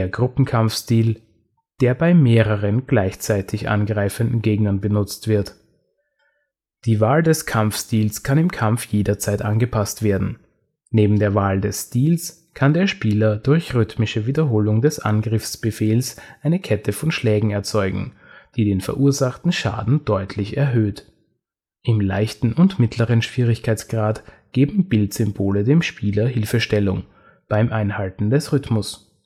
Gruppenkampfstil, der bei mehreren gleichzeitig angreifenden Gegnern benutzt wird. Die Wahl des Kampfstils kann im Kampf jederzeit angepasst werden. Neben der Wahl des Stils kann der Spieler durch rhythmische Wiederholung des Angriffsbefehls eine Kette von Schlägen erzeugen, die den verursachten Schaden deutlich erhöht. Im leichten und mittleren Schwierigkeitsgrad geben Bildsymbole dem Spieler Hilfestellung beim Einhalten des Rhythmus